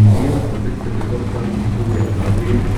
deren verwitwete Tochter Viktoria Gabriel